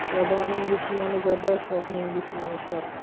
gadoning dushmani gado shohning dushmani shoh